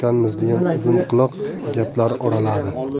uzunquloq gaplar oraladi